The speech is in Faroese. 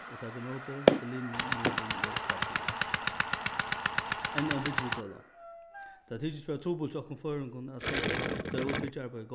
og taka ímótur berlinmúrurin er fallin enn ein byggigøla tað tykist vera trupult hjá okkum føroyingum at seta stór byggiarbeiði í